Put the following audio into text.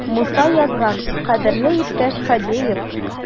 Муса язган: "Кадерле иптәш Фадеев!"